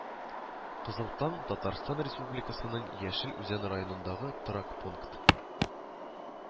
Кызыл Таң Татарстан Республикасының Яшел Үзән районындагы торак пункт